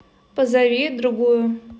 позови другую